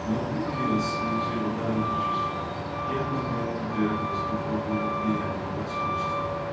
но примирялась с ним за его народничество и одно время подверглась духовному влиянию толстовства.